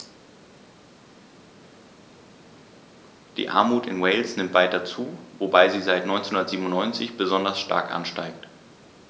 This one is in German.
Die Armut in Wales nimmt weiter zu, wobei sie seit 1997 besonders stark ansteigt.